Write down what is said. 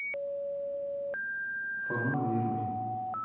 формулируй